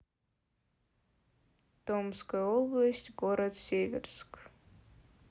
томская область город северск